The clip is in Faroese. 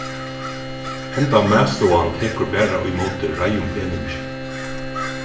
henda matstovan tekur bara ímóti reiðum peningi